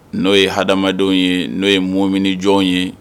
N'o ye hadamadenw ye n'o ye mom jɔnw ye